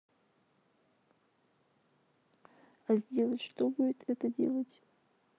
а сделать что будет это делать